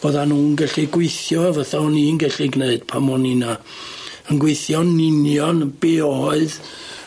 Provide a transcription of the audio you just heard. o'ddan nw'n gellu gweithio fatha o'n i'n gellu gneud pan o'n i 'na yn gweithio'n union be oedd